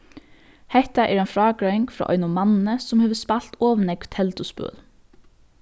hetta er ein frágreiðing frá einum manni sum hevur spælt ov nógv telduspøl